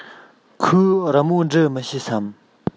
ཁོས རི མོ འབྲི མི ཤེས སམ